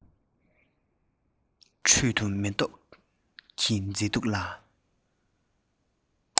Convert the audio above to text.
ཁྲོད དུ མེ ཏོག གི མཛེས སྡུག ལ